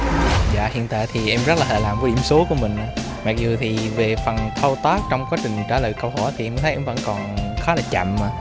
dạ hiện tại thì em rất là hài lòng với điểm số của mình mặc dù thì về phần thao tác trong quá trình trả lời câu hỏi thì em thấy em vẫn còn khá là chậm ạ